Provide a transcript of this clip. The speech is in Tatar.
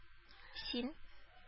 Син